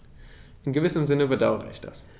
In gewissem Sinne bedauere ich das.